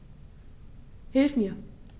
Hilf mir!